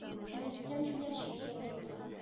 Ә рөстәм җүләр читкә тайпыла